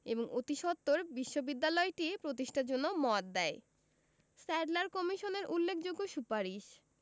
এবং অতিসত্বর বিশ্ববিদ্যালয়টি প্রতিষ্ঠার জন্য মত দেয় স্যাডলার কমিশনের উল্লেখযোগ্য সুপারিশ: